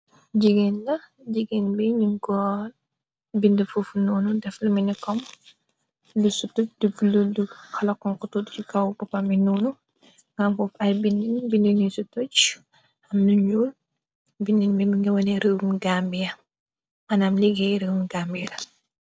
Jigéen la jigéen ba num gool bind fuufu noonu defla minekom lu su tuj di bu luldu xalakonko toot ci kaw boppa mbi noonu ngamkoo f ay bindin bindi ñuy su tucj am nu ñul bindin be bi nga wane rëwmi gambi ya mënam liggéey rëwmi gambi la.